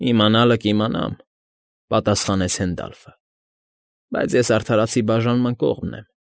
Իմանալը՝ կիմանամ,֊ պատասխանեց Հենդալֆը։֊ Բայց ես արդարացի բաժանման կողմն եմ։